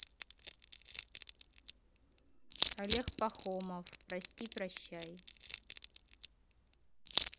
олег пахомов прости прощай